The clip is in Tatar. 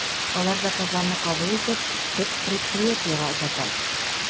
Алар заказларны кабул итеп, төп предприятиегә озата.